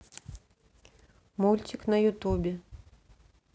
мультик на ютубе